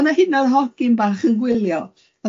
O'dd 'na hyd nod hogyn bach yn gwylio.